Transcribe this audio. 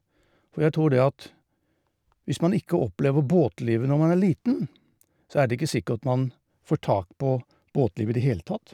For jeg tror det at hvis man ikke opplever båtlivet når man er liten, så er det ikke sikkert man får tak på båtliv i det hele tatt.